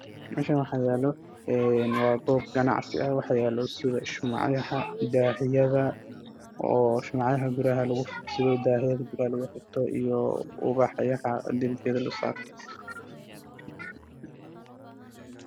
Dukaan Waxaa yaalo alaab fara badan sida shuma guduuda iyo mid madow ah